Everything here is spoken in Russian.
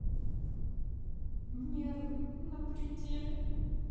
нервы на пределе